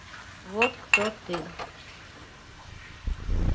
вот кто ты